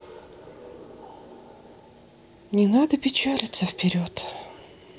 не надо печалиться вперед